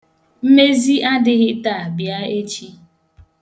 Mmezi adịghị taa, bịa echi.